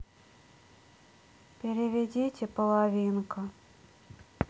переведи половинка